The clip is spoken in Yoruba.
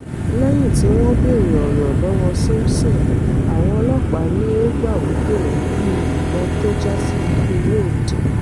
Lẹ́yìn tí wọ́n bèèrè ọ̀rọ̀ lọ́wọ́ Simpson, àwọn ọlọ́ọ̀pá ní ó gbà wí pé òun yin ìbọn tó jásí ikú Wayde.